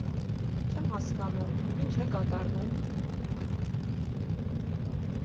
Չեմ հասկանում՝ ի՞նչ է կատարվում։